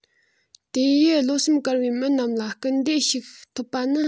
དེ ཡིས བློ སེམས དཀར བའི མི རྣམས ལ སྐུལ འདེད ཞིག ཐོབ པ ནི